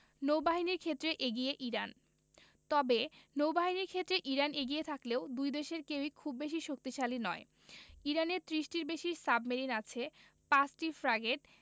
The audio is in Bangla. নৌবাহিনীর ক্ষেত্রে এগিয়ে ইরান তবে নৌবাহিনীর ক্ষেত্রে ইরান এগিয়ে থাকলেও দুই দেশের কেউই খুব বেশি শক্তিশালী নয় ইরানের ৩০টির বেশি সাবমেরিন আছে ৫টি ফ্র্যাগেট